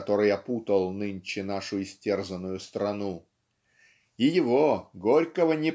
который опутал нынче нашу истерзанную страну. И его Горького